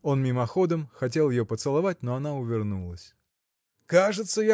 Он мимоходом хотел ее поцеловать, но она увернулась. – Кажется